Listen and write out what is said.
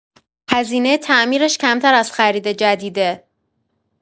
هزینه تعمیرش کمتر از خرید جدیده.